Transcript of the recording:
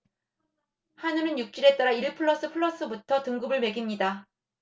한우는 육질에 따라 일 플러스 플러스부터 등급을 매깁니다